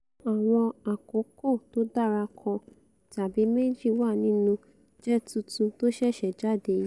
Àwọn àkókò tódára kan tàbi méjì wá nínú JE tuntun tóṣẹ̀ṣẹ̀ jáde yìí.